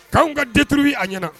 K'anw ka daturu a ɲɛna